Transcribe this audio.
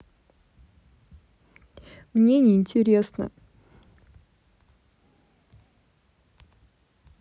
мне не интересно